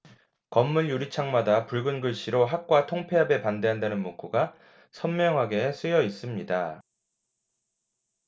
건물 유리창마다 붉은 글씨로 학과 통폐합에 반대한다는 문구가 선명하게 쓰여있습니다